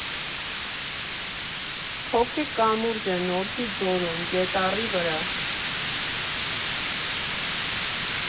Փոքրիկ կամուրջ է Նորքի ձորում, Գետառի վրա։